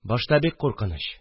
Башта бик куркыныч